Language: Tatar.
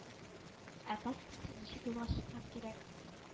Ә паспортсыз ничек юлга чыкмак кирәк